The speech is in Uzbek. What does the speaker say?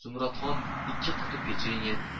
zumradxon ikki quti pechene